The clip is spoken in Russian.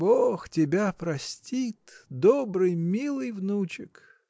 — Бог тебя простит, добрый, милый внучек!